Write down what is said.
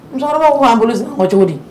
Musokɔrɔba ko'an bolo cogo di